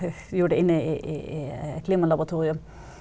vi gjorde det inne i i klimalaboratorium.